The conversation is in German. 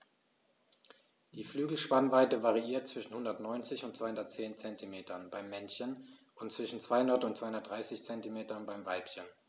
Die Flügelspannweite variiert zwischen 190 und 210 cm beim Männchen und zwischen 200 und 230 cm beim Weibchen.